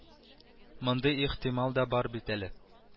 Мондый их тимал да бар бит әле